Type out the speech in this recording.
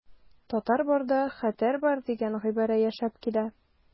Татар барда хәтәр бар дигән гыйбарә яшәп килә.